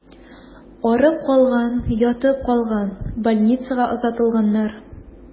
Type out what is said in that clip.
Арып калган, ятып калган, больницага озатылганнар.